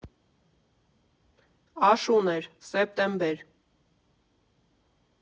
Աշուն էր, սեպտեմբեր։